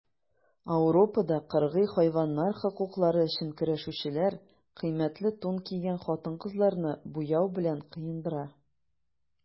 Ауропада кыргый хайваннар хокуклары өчен көрәшүчеләр кыйммәтле тун кигән хатын-кызларны буяу белән коендыра.